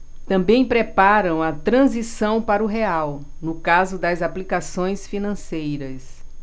também preparam a transição para o real no caso das aplicações financeiras